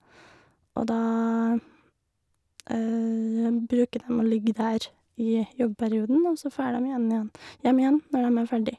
Og da bruker dem å ligge der i jobbperioden, og så fær dem igjen igjen hjem igjen når dem er ferdig.